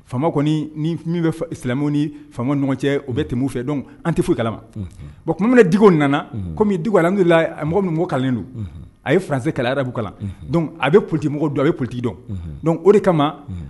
Faama kɔni min silamɛmu ni fa ɲɔgɔn cɛ o bɛ tɛmɛ fɛ dɔn an tɛ foyi kala tumamina di nana kɔmi dugukidula mɔgɔ min kalanle don a yeranse kala arabu kalan a bɛ ptimɔgɔ dɔn a bɛ pti dɔn dɔnku o de kama